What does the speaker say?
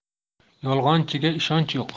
yolg'onchiga ishonch yo'q